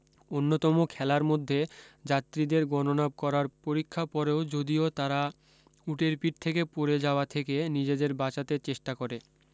অন্যতম খেলার মধ্যে যাত্রীদের গণনা করার পরীক্ষা পরেও যদিও তারা উটের পিঠ থেকে পড়ে যাওয়া থেকে নিজেদের বাঁচাতে চেষ্টা করে